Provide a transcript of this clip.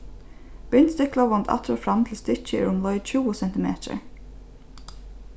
bint stiklavond aftur og fram til stykkið er umleið tjúgu sentimetrar